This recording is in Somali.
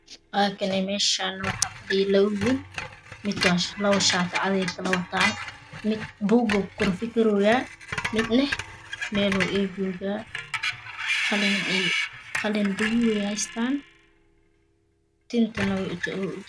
Meeshana waxaa fadhiyo laba wiil laba shaati oo cadaan ah ayay kala watan mid buug buu ku kor fakiriyoo midna meluu egoyaa qalin buulug ah ay haystaan tintana way ujaran tahay